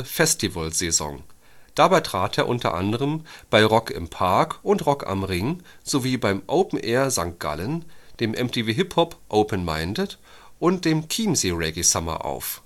Festival Saison. Dabei trat er unter anderem bei Rock im Park und Rock am Ring sowie beim OpenAir St. Gallen, dem MTV HipHopOpen Minded und dem Chiemsee Reggae Summer auf